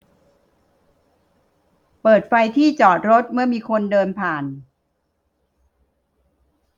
เปิดไฟที่จอดรถเมื่อมีคนเดินผ่าน